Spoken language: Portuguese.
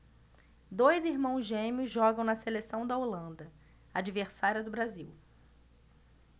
dois irmãos gêmeos jogam na seleção da holanda adversária do brasil